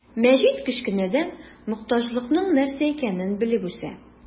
Мәҗит кечкенәдән мохтаҗлыкның нәрсә икәнен белеп үсә.